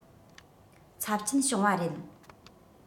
ཚབས ཆེན བྱུང བ རེད